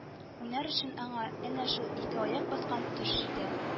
Уйнар өчен аңа әнә шул ике аяк баскан төш җитә